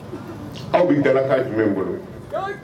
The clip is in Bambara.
Aw da jumɛn bolo